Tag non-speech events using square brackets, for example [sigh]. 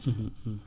[hesitation] [hesitation]